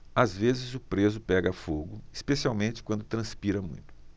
às vezes o preso pega fogo especialmente quando transpira muito